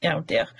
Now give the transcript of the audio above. Iawn, diolch.